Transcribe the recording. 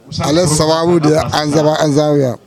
Ale sababu de ansaban anzsaawya